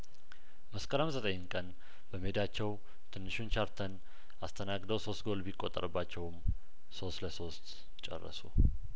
መስከረም ዘጠኝ ቀን በሜዳቸው ትንሹን ቻርተን አስተናግደው ሶስት ጐል ቢቆጠርባቸውም ሶስት ለሶስት ጨረሱ